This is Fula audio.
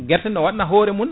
guerte no wadna hoore mun